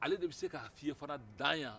ale de bɛ se ka f'i ye fɛnɛ dan yan